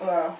waaw